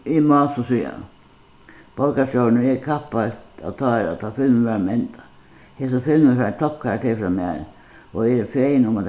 eg má so siga borgarstjórin og eg kappaðust at tára tá filmurin var um enda hesin filmurin fær ein toppkarakter frá mær og eg eri fegin um at